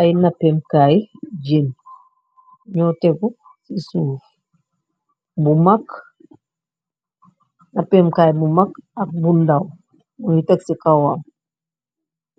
Ay naapim kaay jën nyo tègu ci suuf bu mag, naapim kaay bu mag ak bu ndaw mungi tekk ci kawam.